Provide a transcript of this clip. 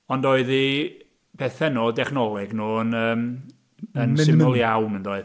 Ond oedd eu pethau nhw, dechnoleg nhw yn yym, yn syml iawn, yn doedd?